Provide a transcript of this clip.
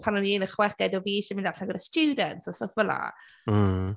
Pan o’n i yn y chweched oedd fi isie mynd allan gyda students a stwff fel ’na... Hmm.